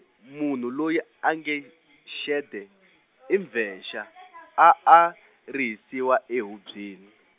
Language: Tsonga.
munhu loyi a nge, xede, i mbvexa, a a rihisiwa ehubyeni.